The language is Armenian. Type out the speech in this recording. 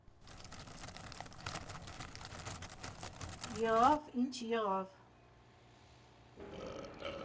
Եղավ՝ ինչ եղավ.